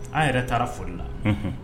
An yɛrɛ taara foli la